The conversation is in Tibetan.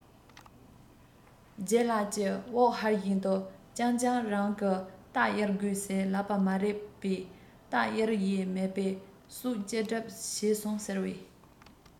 ལྗད ལགས ཀྱིས དབུགས ཧལ བཞིན དུ སྤྱང སྤྱང རང གིས རྟ གཡར དགོས ཟེར ལབ པ མ རེད པས རྟ གཡར ཡས མེད པའི སྲོག སྐྱེལ གྲབས བྱས སོང ཟེར བས